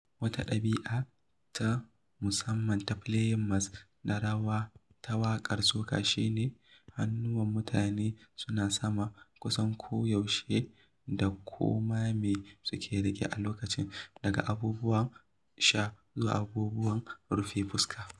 A wani harshen ana kiransu "tsummokara" waɗannan suna amfani a lokacin goge gumi a lokacin "tsalle sama". Ba a rasa wannan abin ba a "Super Blue, wanda ya rubuta wata waƙa da ake kira "Get Something and Waɓe", wadda ya ci gasar Road March na 1991.